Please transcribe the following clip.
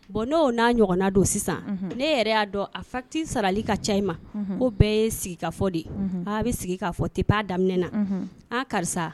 Bon n'o n'a ɲɔgɔnna don sisan ne yɛrɛ y'a dɔn a fati sarali ka ca ma ko bɛɛ ye sigika fɔ de ye a bɛ sigi ka fɔ te' daminɛ na an karisa